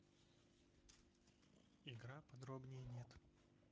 игра подробнее нет